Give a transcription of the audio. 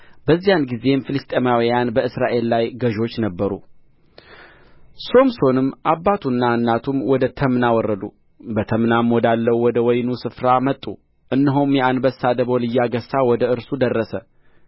በዚያን ጊዜም ፍልስጥኤማውያን በእስራኤል ላይ ገዦች ነበሩ ሶምሶንም አባቱና እናቱም ወደ ተምና ወረዱ በተምናም ወዳለው ወደ ወይኑ ስፍራ መጡ እነሆም የአንበሳ ደቦል እያገሣ ወደ እርሱ ደረሰ